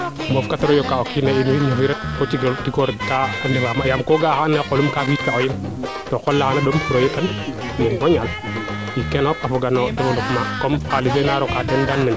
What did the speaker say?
moof kiro yoka ta o kiin tikoorik kaa ndefa ma yaam ko ga'a oxa ando naye o qolum kaa fiit ka o yeng to o qol la xana ɗom pour o wetan yeng fo ñaal kene fop a foga no developpement comme xalis fe na rokaa teen daal